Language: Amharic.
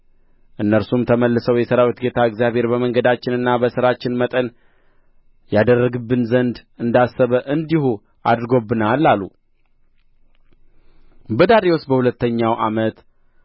እነርሱም ተመልሰው የሠራዊት ጌታ እግዚአብሔር በመንገዳችንና በሥራችን መጠን ያደርግብን ዘንድ እንዳሰበ እንዲሁ አድርጎብናል አሉ በዳርዮስ በሁለተኛው ዓመት